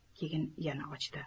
keyin yana ochdi